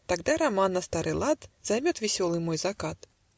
Тогда роман на старый лад Займет веселый мой закат.